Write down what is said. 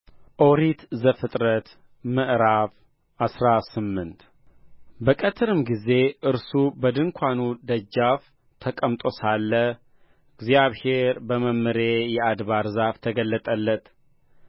ኦሪት ዘፍጥረት ምዕራፍ አስራ ስምንት በቀትርም ጊዜ እርሱ በድንኳኑ ደጃፍ ተቀምጦ ሳለ እግዚአብሔር በመምሬ የአድባር ዛፍ ተገለጠለት